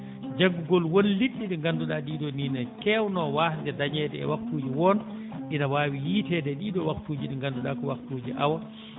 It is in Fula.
jaggugol won liɗɗi ɗi ngannduɗaa ɗii ɗoo nii no keewnoo waasde dañeede e waktuuji won ina waawi yiiteede e ɗii ɗoo waktuuji ɗi ngannduɗaa ko waktuuji awa